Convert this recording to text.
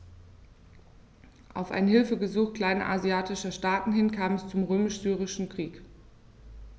Auf ein Hilfegesuch kleinasiatischer Staaten hin kam es zum Römisch-Syrischen Krieg.